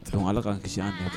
Karamɔgɔ ala ka kisi an ta